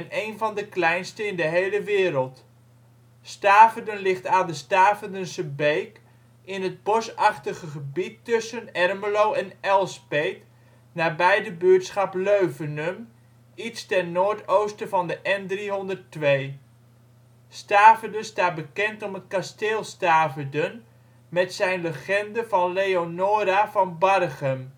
één van de kleinste in de hele wereld. Staverden ligt aan de Staverdense beek in het bosachtige gebied tussen Ermelo en Elspeet, nabij de buurtschap Leuvenum, iets ten noordoosten van de N302 (Flevoweg). Staverden staat bekend om het Kasteel Staverden met zijn legende van Leonora van Barchem